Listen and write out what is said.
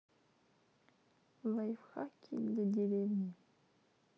лайфхаки для деревни